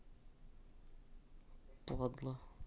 падло